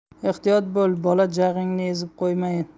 ehtiyot bo'l bola jag'ingni ezib qo'ymayin